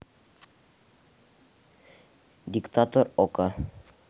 диктатор okko